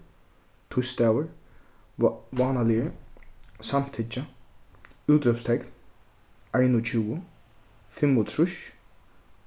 týsdagur vánaligur samtykkja útrópstekn einogtjúgu fimmogtrýss